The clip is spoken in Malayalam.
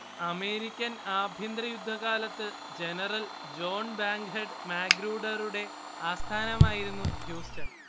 അമേരിക്കൻ ആഭ്യന്തരയുദ്ധകാലത്ത് ജനറൽ ജോൺ ബാങ്ക്ഹെഡ് മാഗ്രൂഡറുടെ ആസ്ഥാനമായിരുന്നു ഹ്യൂസ്റ്റൺ